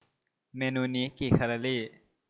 เมนูนี้กี่แคลอรี่